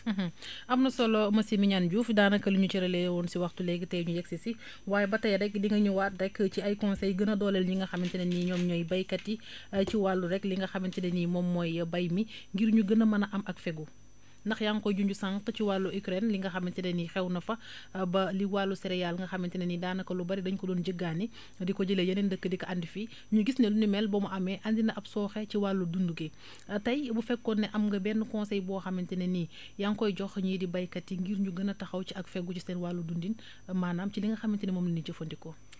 am na solo monsieur Mignane Diouf daanaka liñ ñu cëralee woon si waxtu léegi tay ñu yegsi si waaye ba tay rekk di nga ñëwaat rekk ci ay conseils gën a dooleel ñi nga xamante ne ni ñoom ñooy baykat yi ci wàllu rekk li nga xamante ne ni moom mooy bay mi ngir ñu gën a mën a am ak fegu ndax yaa ngi koy junj sànq ci wàllu Ukraine li nga xamante ne ni xew na fa ba li wàllu céréale nga xamante ne ni daanaka lu bari dañ ko doon jéggaani di ko jëlee yeneen dëkk di ko andi fii ñu gis ne lu ni mel ba mu amee andi na ab sooxe ci wàllum dund gi tay fu fekkoon ne am nga benn conseil boo xamante ne ni yaa ngi koy jox ñii di baykat yi ngir ñu gën a taxaw ci ag fegu ci seen wàllu dundin maanaam ci li nga xamante ne ni moom la ñuy jëfandikoo